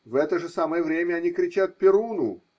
В это же самое время они кричат Перуну.